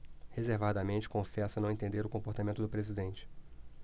reservadamente confessa não entender o comportamento do presidente